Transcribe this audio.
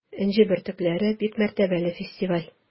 “энҗе бөртекләре” - бик мәртәбәле фестиваль.